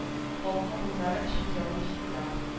Халкым моңнары өчен җаным фида